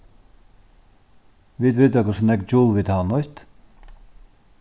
vit vita hvussu nógv joule vit hava nýtt